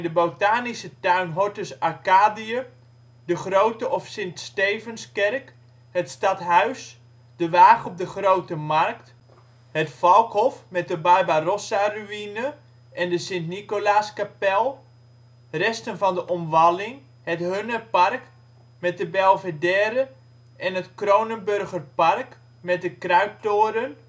Botanische Tuin Hortus Arcadië de Grote of Sint-Stevenskerk het Stadhuis de Waag op de Grote Markt het Valkhof met de Barbarossaruïne en de Sint-Nicolaaskapel resten van de omwalling: het Hunnerpark met de Belvédère en het Kronenburgerpark met de Kruittoren